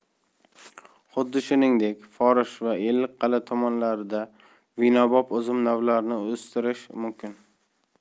xuddi shuningdek forish va ellikqal'a tumanlarida vinobop uzum navlarini o'stirish mumkin